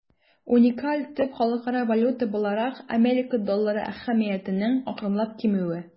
Уникаль төп халыкара валюта буларак Америка доллары әһәмиятенең акрынлап кимүе.